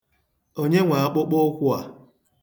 Onye nwe akpụkpụụkwụ a?